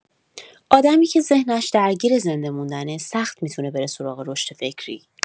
آدمی که ذهنش درگیره زنده موندنه، سخت می‌تونه بره سراغ رشد فکری.